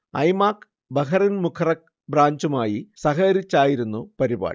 ഐമാക്ക് Bahrain Muharraq ബ്രാഞ്ചുമായി സഹകരിച്ചായിരുന്നു പരിപാടി